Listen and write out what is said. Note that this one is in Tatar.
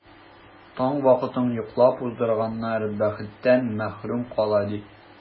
Таң вакытын йоклап уздырганнар бәхеттән мәхрүм кала, ди.